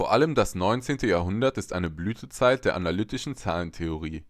allem das neunzehnte Jahrhundert ist eine Blütezeit der analytischen Zahlentheorie